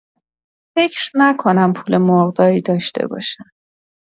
فکر نکنم پول مرغداری داشته باشم.